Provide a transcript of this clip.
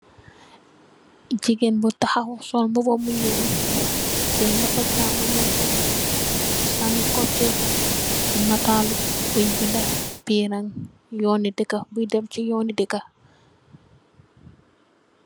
Jigeen bu taxaw , sol mbuba bu nyul , jel lokho chamonnyam bi , sanni ko , si natalu bunge binda bena yonni deka , buy dem si yonni deka.